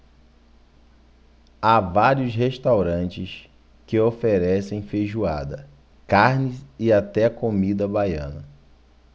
há vários restaurantes que oferecem feijoada carnes e até comida baiana